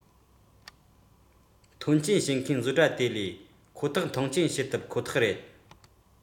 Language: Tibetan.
ཏེའོ ཡུས གླིང ཕྲན གྱི དུས བབ ཆེན པོ ཞིག རིམ སྤོར ཐུབ ཁོ ཐག རེད